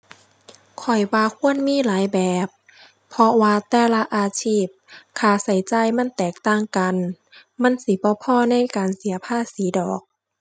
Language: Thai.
ข้อยว่าควรมีหลายแบบ เพราะว่าแต่ละอาชีพ ค่าใช้จ่ายมันแตกต่างกัน มันสิบ่พอในการเสียภาษีดอก